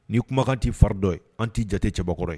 Ni'i kumakan'i fari dɔn ye an t'i jate cɛbakɔrɔ ye